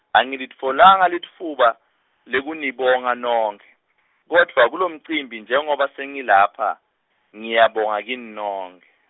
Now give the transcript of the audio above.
Angilitfolanga litfuba, lekunibonga nonkhe , kodwva kulomcimbi njengoba sengilapha, ngiyabonga kini nonkhe.